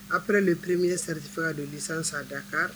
Après le premier certificat de Licence à Dakar